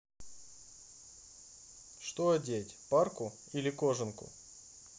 что одеть парку или кожанку